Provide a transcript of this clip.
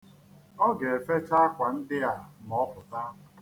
Ọ ga-efecha akwa ndị a ma ọ pụta.